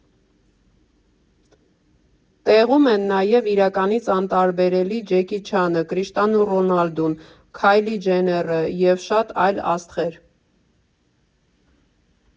Տեղում են նաև իրականից անտարբերելի Ջեկի Չանը, Կրիշտիանու Ռոնալդուն, Քայլի Ջենները և շատ այլ աստղեր։